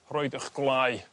roid 'ych gwlai